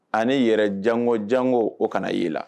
Ani yɛrɛ jango jango o ka na ye i la.